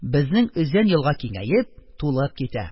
Безнең өзән елга киңәеп, тулып китә: